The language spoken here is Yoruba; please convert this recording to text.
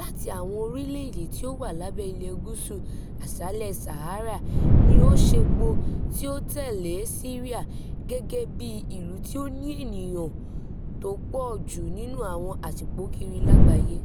láti àwọn orílẹ̀-èdè tí ó wà lábẹ́ Ìlú Gúúsù Aṣálẹ̀ Sahara ni ó ṣepò tí ó tẹ̀lé Syria gẹ́gẹ́ bí ìlú tí ó ní ènìyàn tó pọ̀ jù nínú àwọn aṣípòkiri lágbàáyé.